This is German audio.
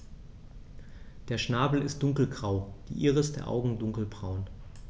Der Schnabel ist dunkelgrau, die Iris der Augen dunkelbraun.